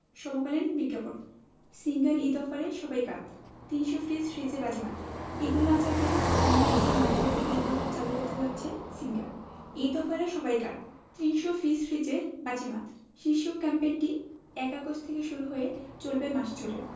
সমকালীন বিজ্ঞাপন সিঙ্গার ঈদ অফারে সবাই কাত ৩০০ ফ্রি ফ্রিজে বাজিমাত ঈদুল আজহাকে সামনে রেখে মাসব্যাপী ঈদ অফার চালু করতে যাচ্ছে সিঙ্গার ঈদ অফারে সবাই কাত ৩০০ ফ্রি ফ্রিজে বাজিমাত শীর্ষক ক্যাম্পেইনটি ১ আগস্ট থেকে শুরু হয়ে চলবে মাস জুড়ে